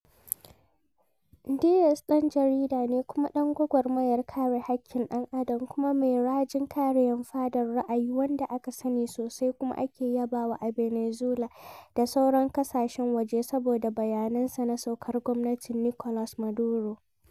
Diaz ɗan jarida ne kuma ɗan gwagwarmayar kare haƙƙin ɗan'adam kuma mai rajin kare 'yan faɗar ra'ayi wanda aka sani sosai kuma ake yabawa a ɓenezuela da sauran ƙasashen waje saboda bayanansa da sukar gwamnatin Nicolas Maduro.